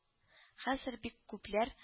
Хәзер бик күпләр